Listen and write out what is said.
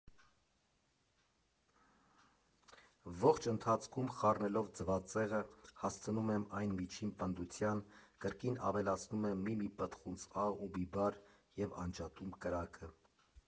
Ողջ ընթացքում խառնելով ձվածեղը՝ հասցնում եմ այն միջին պնդության, կրկին ավելացնում եմ մի֊մի պտղունց աղ ու բիբար և անջատում կրակը։